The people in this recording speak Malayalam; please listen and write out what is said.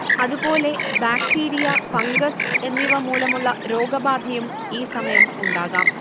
അതുപോലെ ബാക്ടീരിയ, ഫംഗസ് എന്നിവമൂലമുള്ള രോഗബാധയും ഈസമയം ഉണ്ടാകാം